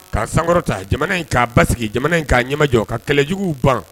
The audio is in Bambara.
K'a sankɔrɔta jamana in k'a basigi jamana in k'a ɲɛmajɔ ka kɛlɛ juguw ban